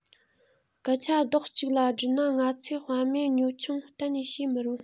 སྐད ཆ རྡོག གཅིག ལ བསྒྲིལ ན ང ཚོས དཔའ མེད གཉོད ཆུང གཏན ནས བྱེད མི རུང